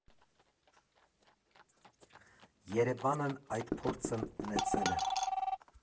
Երևանն այդ փորձն ունեցել է։